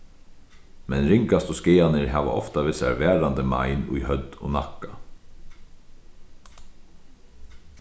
men ringastu skaðarnir hava ofta við sær varandi mein í høvd og nakka